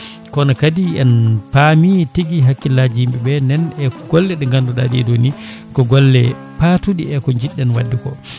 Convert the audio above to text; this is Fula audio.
kono kadi en paami tigui hakkillaji yimɓeɓe nan e golle ɗe ganduɗa ɗeɗo ni ko golle paatuɗe e ko jiɗɗen wadde ko